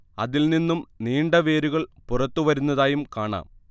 അതിൽ നിന്നും നീണ്ട വേരുകൾ പുറത്തു വരുന്നതായും കാണാം